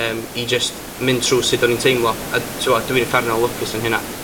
Yym i jyst mynd trw sud o'n i'n teimlo, a t'mo', dwi'n uffernol o lwcus yn hynna.